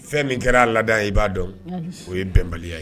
Fɛn min kɛr'a laada i b'a dɔn o ye bɛnbaliya ye.